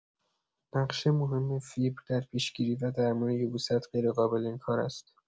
نقش مهم فیبر در پیشگیری و درمان یبوست غیرقابل انکار است.